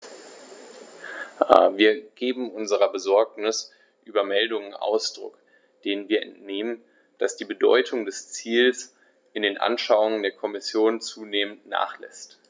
Wir geben unserer Besorgnis über Meldungen Ausdruck, denen wir entnehmen, dass die Bedeutung dieses Ziels in den Anschauungen der Kommission zunehmend nachlässt.